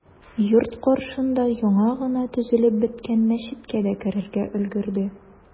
Йорт каршында яңа гына төзелеп беткән мәчеткә дә керергә өлгерде.